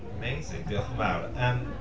Amazing. Diolch yn fawr. Yym…